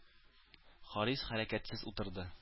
Харис хәрәкәтсез утырды.